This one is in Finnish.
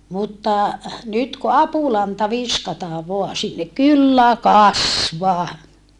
mutta nyt kun apulanta viskataan vain sinne kyllä kasvaa